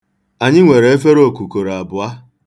Anyị nwere efere òkùkòrò abụọ.